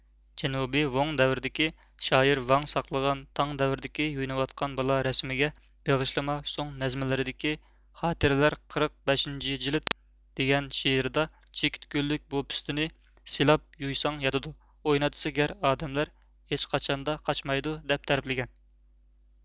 جەنۇبىي ۋوڭ دەۋرىدىكى شائىر ۋاڭ ساقلىغان تاڭ دەۋرىدىكى يۇيۇنۇۋاتقان بالا رەسىمىگە بېغىشلىما سوڭ نەزمىلىرىدىكى خاتىرىلەر قىرىق بەشىنچى جىلىد دېگەن شېئىرىدا چېكىت گۈللۈك بۇ پىستىنى سىلاپ يۇيساڭ ياتىدۇ ئويناتسا گەر ئادەملەر ھېچقاچاندا قاچمايدۇ دەپ تەرىپلىگەن